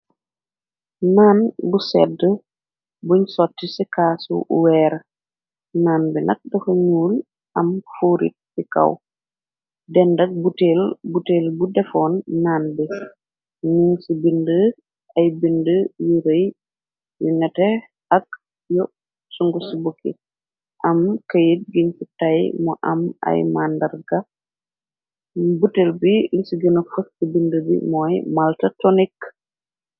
naan bu sedd buñ sotti ci kaasu weer naan bi nak daxu ñuul am xurik ci kaw dendak buteel buteel bu defon naan bi nin ci bind ay bind yu rëy yu nete ak yo su ngu ci bukki am këyit giñ fi tay mu am ay màndar ga butel bi li si gëna fëk ci bind bi mooy malta tonik